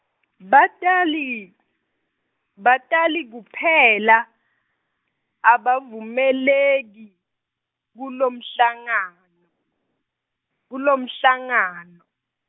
batali , batali kuphela, abavumeleki, kulomhlangano, kulomhlangano.